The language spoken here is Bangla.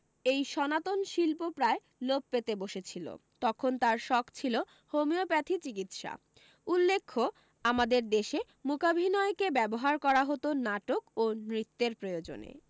এই সনাতন শিল্প প্রায় লোপ পেতে বসেছিল তখন তার শখ ছিল হোমিওপ্যাথি চিকিৎসা উল্লেখ্য আমাদের দেশে মূকাভিনয়কে ব্যবহার করা হত নাটক ও নৃত্যের প্রয়োজনে